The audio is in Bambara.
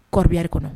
Corbillard kɔnɔ.